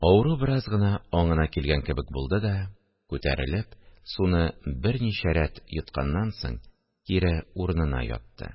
Авыру бераз гына аңына килгән кебек булды да, күтәрелеп, суны берничә рәт йотканнан соң, кире урынына ятты